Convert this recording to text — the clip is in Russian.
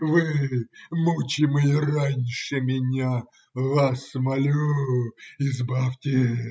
О вы, мучимые раньше меня! Вас молю, избавьте.